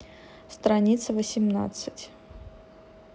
страница восемнадцать